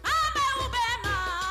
An bɛ bɛ ma